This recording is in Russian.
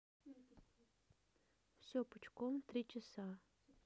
все пучком три часа